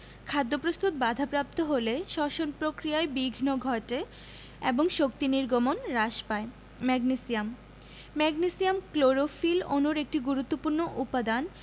খাদ্যপ্রস্তুত বাধাপ্রাপ্ত হলে শ্বসন প্রক্রিয়ায় বিঘ্ন ঘটে এবং শক্তি নির্গমন হ্রাস পায় ম্যাগনেসিয়াম ম্যাগনেসিয়াম ক্লোরোফিল অণুর একটি গুরুত্বপুর্ণ উপাদান